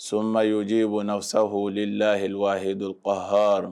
Soma y ooji bɔnnasa h layilwa hdu ahaaar